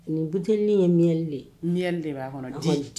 Ni butini ye mili de mi de b'a kɔnɔ